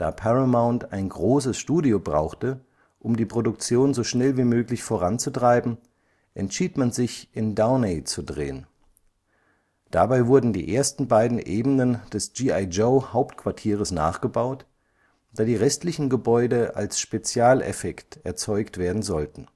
Paramount ein großes Studio brauchte, um die Produktion so schnell wie möglich voranzutreiben, entschied man sich, in Downey zu drehen. Dabei wurden die ersten beiden Ebenen des „ G.I.-Joe “- Hauptquartieres nachgebaut, da die restlichen Gebäude als Spezialeffekt erzeugt werden sollten